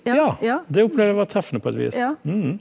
ja det opplevde jeg var treffende på et vis ja.